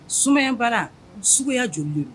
Sumaya baara suguya joli de don